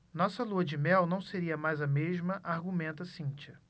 nossa lua-de-mel não seria mais a mesma argumenta cíntia